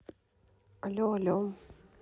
але але